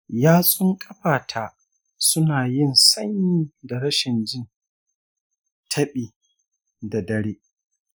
yatsun ƙafata su na yin sanyi da rashin jin taɓi da dare.